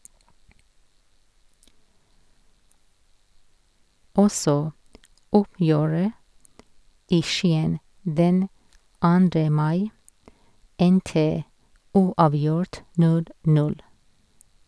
Også oppgjøret i Skien den 2. mai endte uavgjort, 0- 0.